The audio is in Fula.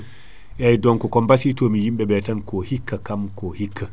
eyyi donc ko bassiy yimɓeɓe tan ko hikka kam ko hikka